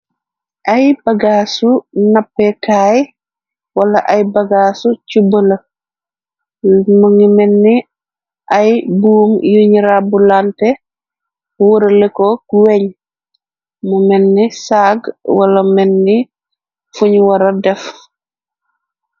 ay bagaasu nappekaay wala ay bagaasu cubbala mungi menni ay buum yuñ rabbu lante wuraleko weñ mu menni sagg wala menni fuñ wara def